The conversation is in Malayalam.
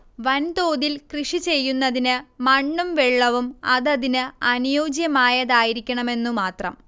വൻതോതിൽ കൃഷിചെയ്യുന്നതിന് മണ്ണും വെള്ളവും അതതിന് അനുയോജ്യമായതായിരിക്കണമെന്നു മാത്രം